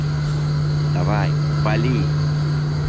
давай вали